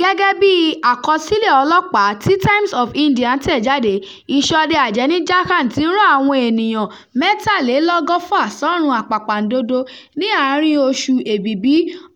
Gẹ̀gẹ̀ bí àkọsílẹ̀ ọlọ́pàá tí Times of India tẹ̀jáde, ìṣọdẹ-àjẹ́ ní Jharkhand ti rán àwọn ènìyàn 123 sọ́run àpàpàǹdodo ní àárín-in oṣù Èbìbí